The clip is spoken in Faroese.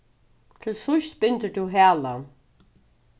til síðst bindur tú halan